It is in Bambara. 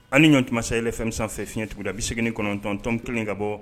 An ɲɔgɔntumama seɛlɛlɛ fɛnmi sanfɛ fɛ fiɲɛɲɛtigida bɛ segin9tɔntɔn kelen ka bɔ